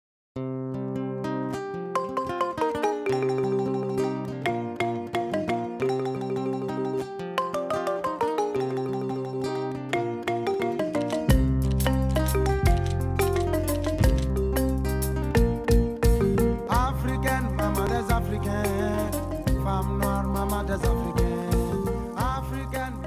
A fɛkɛnɛ masafe kɛ faamaba ma se kɛ a